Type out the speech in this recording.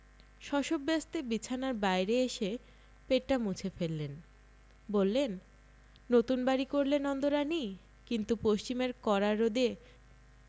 শশব্যস্তে বিছানার বাইরে এসে পেটটা মুছে ফেললেন বললেন নতুন বাড়ি করলে নন্দরানী কিন্তু পশ্চিমের কড়া রোদে